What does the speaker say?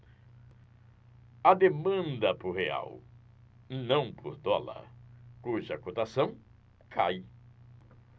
há demanda por real não por dólar cuja cotação cai